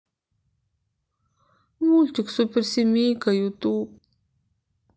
мультик суперсемейка ютуб